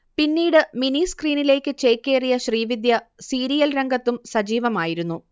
പിന്നീട് മിനി സ്ക്രീനിലേക്ക് ചേക്കേറിയ ശ്രീവിദ്യ സീരിയൽ രംഗത്തും സജീവമായിരുന്നു